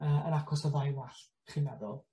Yy yn acos y ddau wall, chi'n meddwl?